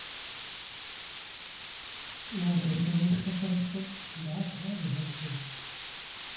ну это же конечно хорошо да правильно джой